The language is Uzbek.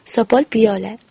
sopol piyola